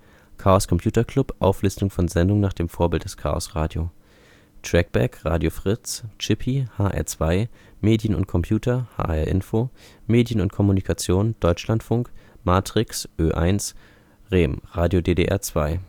Chaos Computer Club – Auflistung von Sendungen nach dem Vorbild des Chaosradio Trackback (Radio Fritz) Chippie (hr2) Medien und Computer (hr-info) Medien und Kommunikation (Deutschlandfunk) Matrix (Ö1) Rem (Radio DDR 2